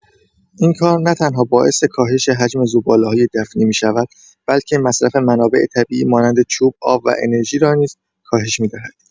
این کار نه‌تنها باعث کاهش حجم زباله‌های دفنی می‌شود، بلکه مصرف منابع طبیعی مانند چوب، آب و انرژی را نیز کاهش می‌دهد.